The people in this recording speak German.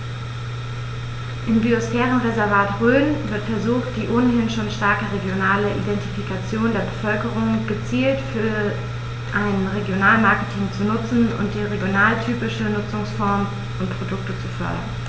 Im Biosphärenreservat Rhön wird versucht, die ohnehin schon starke regionale Identifikation der Bevölkerung gezielt für ein Regionalmarketing zu nutzen und regionaltypische Nutzungsformen und Produkte zu fördern.